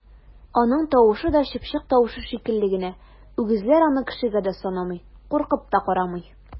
Аның тавышы да чыпчык тавышы шикелле генә, үгезләр аны кешегә дә санамый, куркып та карамый!